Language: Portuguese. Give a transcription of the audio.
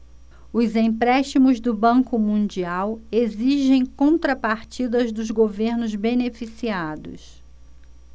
os empréstimos do banco mundial exigem contrapartidas dos governos beneficiados